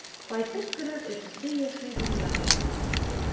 Кайтып керер өчесе яшьли дөнья куйган.